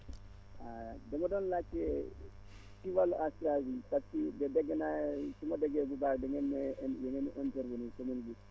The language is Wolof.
dama doon laajte si wàllu assurance bi parce que dégg naa su ma déggee bu baax da ngeen ne da ngeen di intervenir commune bu